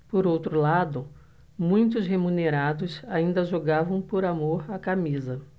por outro lado muitos remunerados ainda jogavam por amor à camisa